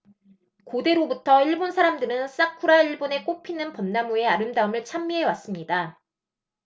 고대로부터 일본 사람들은 사쿠라 일본의 꽃피는 벚나무 의 아름다움을 찬미해 왔습니다